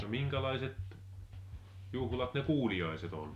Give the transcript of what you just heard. no minkälaiset juhlat ne kuuliaiset oli